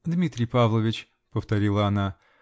-- Дмитрий Павлович, -- повторила она.